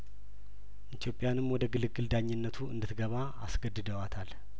ኢትዮጵያንም ወደ ግልግል ዳኝነቱ እንድት ገባ አስገድደዋታል